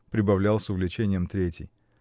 — прибавлял с увлечением третий.